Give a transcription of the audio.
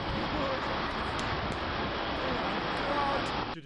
O! Yes!